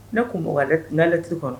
Ne tun mɔgɔlɛtiri kɔnɔ